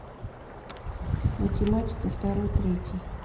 математика второй третий